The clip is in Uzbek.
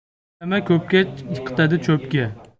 indama ko'pga yiqitadi cho'pga